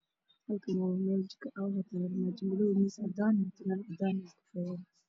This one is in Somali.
Halkaan waa meel jiko waxa yaalo armaajo waxyna leedahay mutuleel cadaan